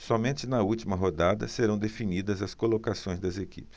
somente na última rodada serão definidas as colocações das equipes